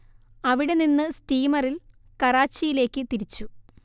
അവിടെനിന്ന് സ്റ്റീമറിൽ കറാച്ചിയിലേക്ക് തിരിച്ചു